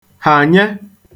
hànye